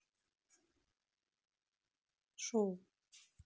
шоу